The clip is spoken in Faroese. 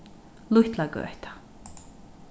lítlagøta